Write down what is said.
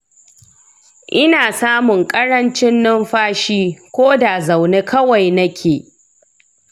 ina samun ƙarancin numfashi ko da zaune kawai nake